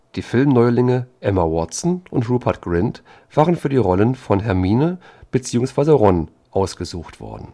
die Film-Neulinge Emma Watson und Rupert Grint waren für die Rollen von Hermine bzw. Ron ausgesucht worden